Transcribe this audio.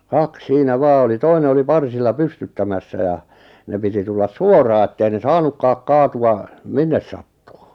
kaksi siinä vain oli toinen oli parsilla pystyttämässä ja ne piti tulla suoraan että ei ne saanutkaan kaatua minne sattuu